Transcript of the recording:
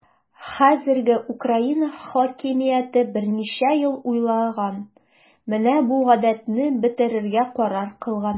Хәзерге Украина хакимияте берничә ел уйлаган, менә бу гадәтне бетерергә карар кылганнар.